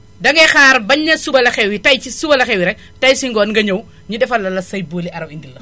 dangay xaar bañ ne suba la xew wi tay ci suba la xew wi rekk tay si ngoon nga ñëw ñu defaral la say bóoli araw indil la